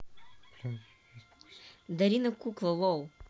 дарина кукла lol